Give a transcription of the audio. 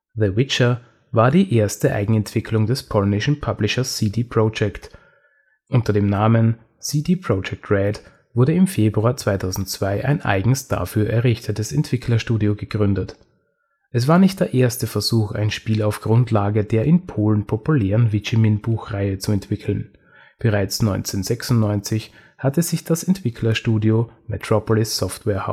Witcher war die erste Eigenentwicklung des polnischen Publishers CD Projekt. Unter dem Namen CD Projekt RED wurde im Februar 2002 ein eigens dafür errichtetes Entwicklerstudio gegründet. Es war nicht der erste Versuch, ein Spiel auf Grundlage der in Polen populären Wiedźmin-Buchreihe zu entwickeln. Bereits 1996 hatte sich das Entwicklerstudio Metropolis Software